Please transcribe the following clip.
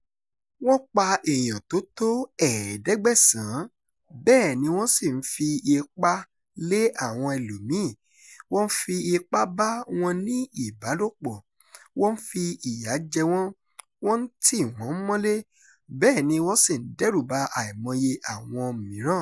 "Wọ́n pa èèyàn tó tó 1700, bẹ́ẹ̀ ni wọ́n sì ń fi ipá lé àwọn ẹlòmíìn, wọ́n ń fi ipá bá wọn ní ìbálòpọ̀, wọ́n ń fi ìyà jẹ wọ́n, wọ́n ń tì wọ́n mọ́lé, bẹ́ẹ̀ ni wọ́n sì ń dẹ́rùba àìmọye àwọn mìíràn".